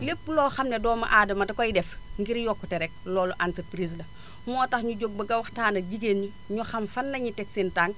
lépp loo xam ne doomu aadama dakoy def ngir yokkute rek loolu entreprise la moo tax ñu jóg bëgg a waxtaan ak jigéen ñi ñu xam fan la ñuy teg seen tànk